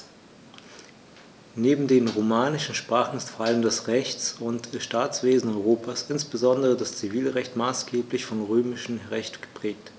Neben den romanischen Sprachen ist vor allem das Rechts- und Staatswesen Europas, insbesondere das Zivilrecht, maßgeblich vom Römischen Recht geprägt.